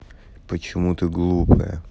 почему ты глупая